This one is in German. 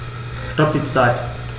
Stopp die Zeit